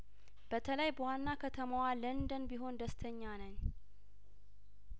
በተለይበዋና ከተማዋ ለንደን ቢሆን ደስተኛ ነን